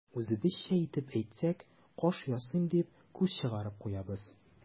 Үзебезчә итеп әйтсәк, каш ясыйм дип, күз чыгарып куябыз.